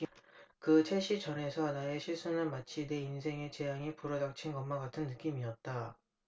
그 첼시 전에서 나의 실수는 마치 내 인생에 재앙이 불어닥친 것만 같은 느낌이었다